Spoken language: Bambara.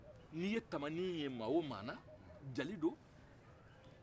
n'i ye tamani ye mɔgɔ o mɔgɔ la jeli do